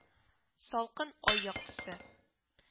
Салкын ай яктысы